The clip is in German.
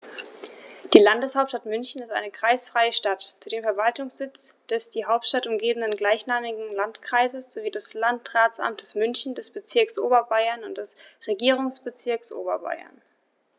Die Landeshauptstadt München ist eine kreisfreie Stadt, zudem Verwaltungssitz des die Stadt umgebenden gleichnamigen Landkreises sowie des Landratsamtes München, des Bezirks Oberbayern und des Regierungsbezirks Oberbayern.